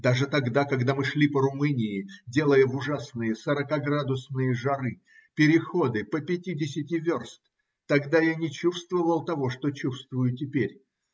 Даже тогда, когда мы шли по Румынии, делая в ужасные сорокаградусные жары переходы по пятидесяти верст, тогда я не чувствовал того, что чувствую теперь.